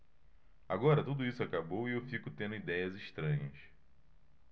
agora tudo isso acabou e eu fico tendo idéias estranhas